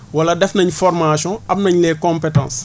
wala def nañ formation am nañ les compétence